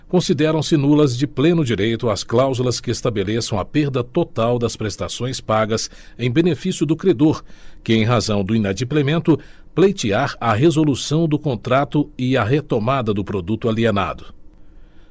consideram se nulas de pleno direito as cláusulas que estabeleçam a perda total das prestações pagas em benefício do credor que em razão do inadimplemento pleitear a resolução do contrato e a retomada do produto alienado